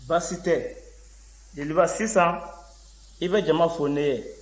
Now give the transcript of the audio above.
baasi tɛ jeliba sisan i bɛ jama fo ne ye